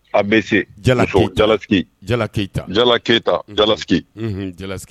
A bɛ se Jala Keyita jala keyita Jala Keyita jalasigi